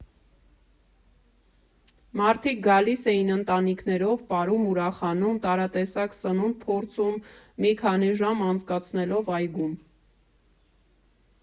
Մարդիկ գալիս էին ընտանիքներով, պարում, ուրախանում, տարատեսակ սնունդ փորձում՝ մի քանի ժամ անցկացնելով այգում։